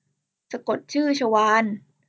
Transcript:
สะกดชื่อชวาล